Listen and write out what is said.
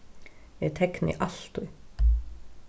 eg tekni altíð